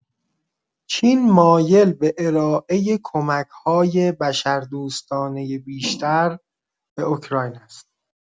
چین مایل به ارائه کمک‌‌های بشردوستانه بیشتر به اوکراین است.